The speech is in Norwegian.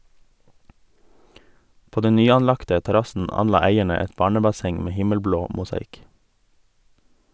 På den nyanlagte terrassen anla eierne et barnebasseng med himmelblå mosaikk.